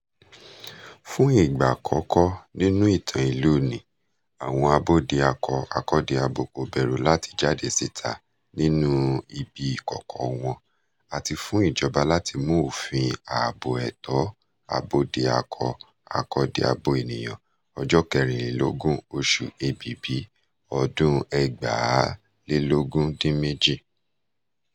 Fún ìgbà àkọ́kọ́ nínú ìtàn ìlúu nì, àwọn Abódiakọ-akọ́diabo kò bẹ̀rù láti jáde síta nínú ibi ìkòkọ̀ wọn àti fún ìjọba láti mú òfin Ààbò Ẹ̀tọ́ Abódiakọ-akọ́diabo Ènìyàn ọjọ́ 24, oṣù Èbìbì 2018.